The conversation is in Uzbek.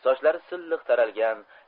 sochlari silliq taralgan